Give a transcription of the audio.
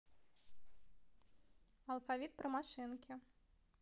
алфавит про машинки